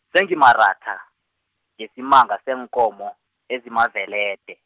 sengimaratha, ngesimanga seenkomo, ezimavelede.